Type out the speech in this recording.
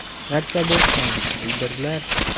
Нәрсә булсын, әйберләр.